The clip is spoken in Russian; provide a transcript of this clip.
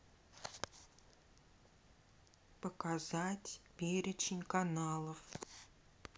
показать перечень каналов